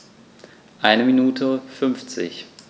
Eine Minute 50